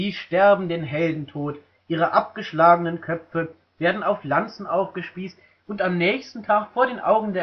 sterben den Heldentod, ihre abgeschlagenen Köpfe werden auf Lanzen aufgespießt und am nächsten Tag vor den Augen